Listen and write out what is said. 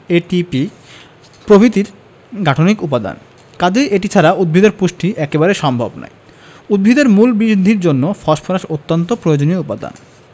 প্রভৃতির গাঠনিক উপাদান কাজেই এটি ছাড়া উদ্ভিদের পুষ্টি একেবারেই সম্ভব নয় উদ্ভিদের মূল বৃদ্ধির জন্য ফসফরাস অত্যন্ত প্রয়োজনীয় উপাদান